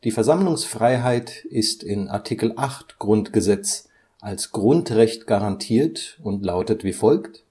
Versammlungsfreiheit ist in Art. 8 GG als Grundrecht garantiert und lautet wie folgt